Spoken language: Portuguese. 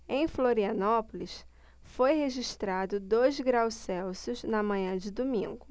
em florianópolis foi registrado dois graus celsius na manhã de domingo